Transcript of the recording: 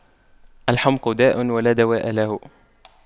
الحُمْقُ داء ولا دواء له